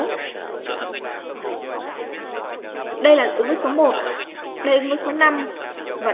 số đây là số đến số